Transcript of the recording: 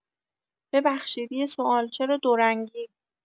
ببخشید یه سوال چرا دو رنگی؟